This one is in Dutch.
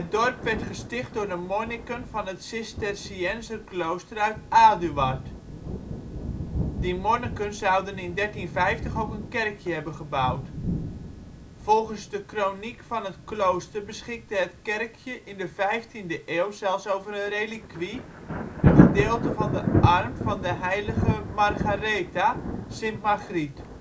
dorp werd gesticht door de monniken van het Cisterciënzerklooster uit Aduard. Die monniken zouden in 1350 ook het kerkje hebben gebouwd. Volgens de kroniek van het klooster beschikte het kerkje in de vijftiende eeuw zelfs over een relikwie, een gedeelte van de arm van de heilige Margaretha (Sint-Margriet